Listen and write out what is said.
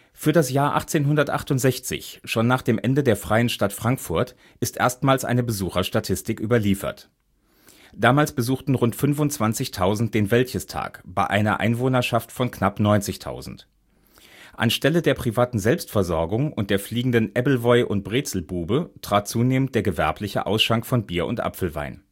Für das Jahr 1868, schon nach dem Ende der Freien Stadt Frankfurt, ist erstmals eine Besucherstatistik überliefert. Damals besuchten rund 25 000 den Wäldchestag, bei einer Einwohnerschaft von knapp 90 000. Anstelle der privaten Selbstversorgung und der fliegenden Ebbelwoi - und Brezelbube trat zunehmend der gewerbliche Ausschank von Bier und Apfelwein